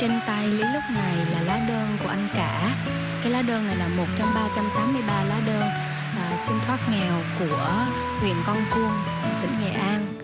trên tay lý lúc này là lá đơn của anh cả cái lá đơn này là một trong ba trăm tám mươi ba lá đơn ờ xin thoát nghèo của huyện con cuông tỉnh nghệ